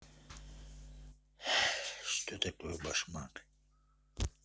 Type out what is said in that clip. что такое башмак